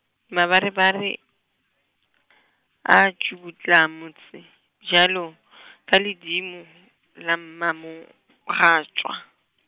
mabarebare, a tšubutla motse bjalo , ka ledimo, la mmamogašwa.